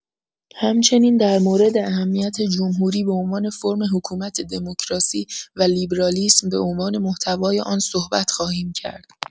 همچنین در مورد اهمیت جمهوری به عنوان فرم حکومت دموکراسی و لیبرالیسم به عنوان محتوای آن صحبت خواهیم کرد.